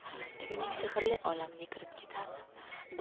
kuyning sehrli olamiga kirib ketardi